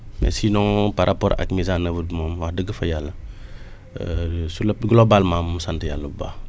mais sinon par rapport ak mise en oeuvre bi moom wax dëgg fa yàlla sur le globalement moom sant yàlla bu baax